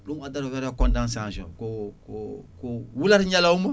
ɗum addata ko wiyete condensation ko ko ko wulata ñalawma